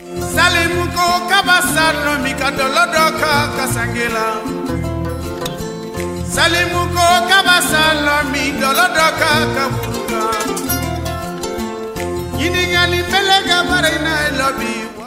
Saku ko ka sa dɔmi ka dɔlɔ dɔ kan ka sange la saku ko ka sami dɔlɔ dɔ kan ka kun la ɲiniani minɛn ka baraina ye labi